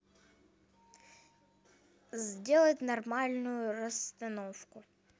сделать нормальную расстановку